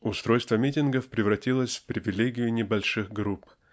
Устройство митингов превратилось в привилегию небольших групп